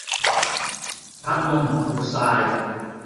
พัดลมหยุดส่าย